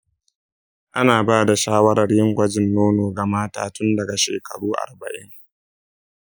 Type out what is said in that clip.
ana ba da shawarar yin gwajin nono ga mata tun daga shekaru arba'in.